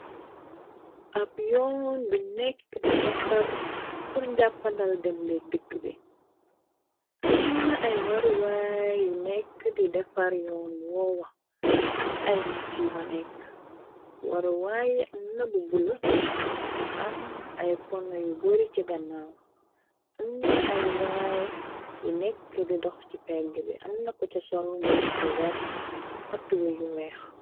Ab yoon bu nekk di defar pur njàppa ndal dembek dikki bi am na ay waruwaay yu nekk di defar yoon woowa ak ay nit yu ba nekk waruwaayi am na bu bula bu am ay pono yu bori ca gannaaw am na ay waay yu nekk di dox ci pegg bi am na ko ca sol mbubu bu verte ak tubey bu weex.